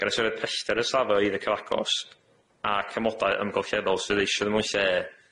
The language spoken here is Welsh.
Gan ystyried pellter y safle iddo cyfagos ac amodau amgylcheddol sydd eisho fo mewn lle